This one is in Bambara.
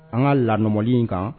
An ka la in kan